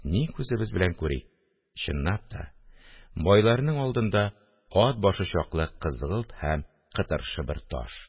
Ни күзебез белән күрик, чынлап та, байларның алдында ат башы чаклы кызгылт һәм кытыршы бер таш